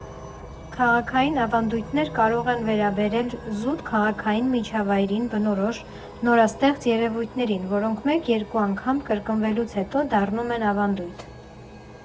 Քաղաքային ավանդույթներ կարող են վերաբերել զուտ քաղաքային միջավայրին բնորոշ նորաստեղծ երևույթներին, որոնք մեկ֊երկու անգամ կրկնվելուց հետո, դառնում են ավանդույթ։